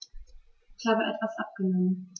Ich habe etwas abgenommen.